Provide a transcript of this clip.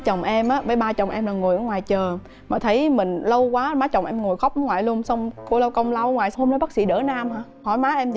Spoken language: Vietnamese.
chồng em với ba chồng em là ngồi ở ngoài chờ mãi thấy mình lâu quá mà chồng em ngồi khóc ngoại luôn song cô lao công lao vào ôm lấy bác sĩ đỡ năm thoải mái em